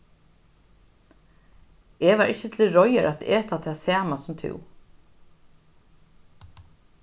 eg var ikki til reiðar at eta tað sama sum tú